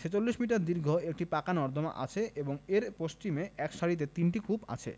৪৬ metre দীর্ঘ একটি পাকা নর্দমা আছে এবং এর পশ্চিমে এক সারিতে তিনটি কূপ আছে